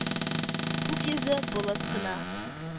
Күк йөзе болыт кына